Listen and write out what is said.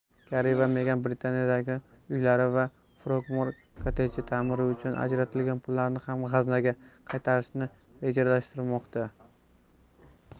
garri va megan britaniyadagi uylari frogmor kotteji ta'miri uchun ajratilgan pullarni ham g'aznaga qaytarishni rejalashtirmoqda